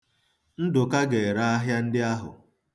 Ndụka ga-ere ahịa ndị ahụ.